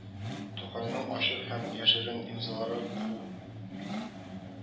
Тукайның ачык һәм яшерен имзалары КУ